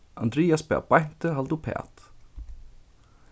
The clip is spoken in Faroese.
andrias bað beintu halda uppat